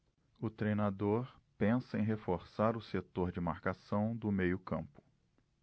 o treinador pensa em reforçar o setor de marcação do meio campo